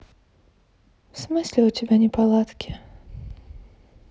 в смысле у тебя неполадки